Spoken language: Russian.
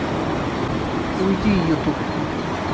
уйди ютуб